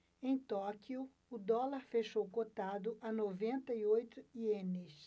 em tóquio o dólar fechou cotado a noventa e oito ienes